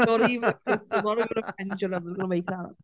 Not even the crystal not even the pendulum is gonna make that